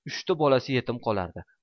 uchta bolasi yetim qolardi